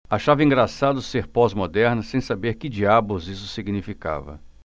achava engraçado ser pós-moderna sem saber que diabos isso significava